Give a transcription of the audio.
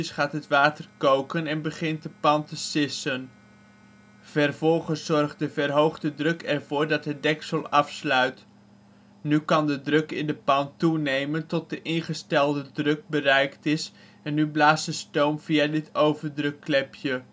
gaat het water koken en begint de pan te sissen. Vervolgens zorgt de verhoogde druk ervoor dat het deksel afsluit. Nu kan de druk in de pan toenemen, tot de ingestelde druk (door middel van een gewichtje) bereikt is en nu blaast de stoom via dit overdrukklepje